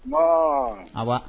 Mɔ a